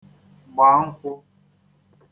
gbà nkwụ